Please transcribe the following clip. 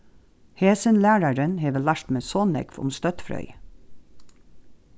hesin lærarin hevur lært meg so nógv um støddfrøði